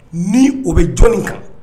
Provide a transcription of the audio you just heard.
Ni o bɛ jɔnni kan